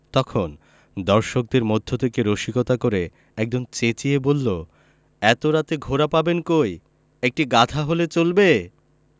তখন দর্শকদের মধ্য থেকে রসিকতা করে একজন চেঁচিয়ে বললো এত রাতে ঘোড়া পাবেন কই একটি গাধা হলে চলবে